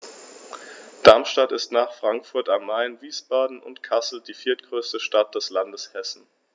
Darmstadt ist nach Frankfurt am Main, Wiesbaden und Kassel die viertgrößte Stadt des Landes Hessen